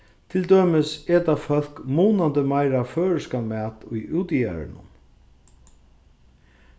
til dømis eta fólk munandi meira føroyskan mat í útjaðaranum